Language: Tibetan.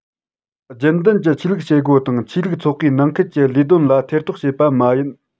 རྒྱུན ལྡན གྱི ཆོས ལུགས བྱེད སྒོ དང ཆོས ལུགས ཚོགས པའི ནང ཁུལ གྱི ལས དོན ལ ཐེ གཏོགས བྱེད པ མ ཡིན